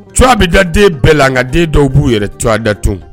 Tu bɛ da den bɛɛ la nka den dɔw b'u yɛrɛ tu da tun